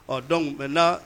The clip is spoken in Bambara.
Ɔ don mais nna